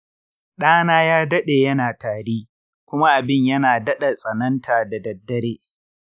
ɗana ya daɗe yana tari kuma abin yana daɗa tsananta da daddare.